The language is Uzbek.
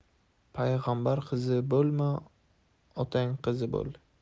payg'ambar qizi bo'lma otang qizi bo'l